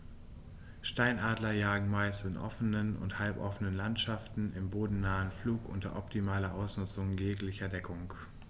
Steinadler jagen meist in offenen oder halboffenen Landschaften im bodennahen Flug unter optimaler Ausnutzung jeglicher Deckung.